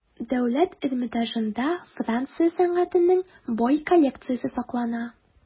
Дәүләт Эрмитажында Франция сәнгатенең бай коллекциясе саклана.